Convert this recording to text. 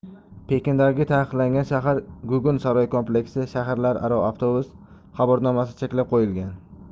pekindagi taqiqlangan shahar gugun saroy kompleksi shaharlararo avtobus xabarnomasi cheklab qo'yilgan